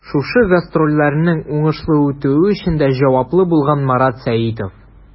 Шушы гастрольләрнең уңышлы үтүе өчен дә җаваплы булган Марат Сәитов.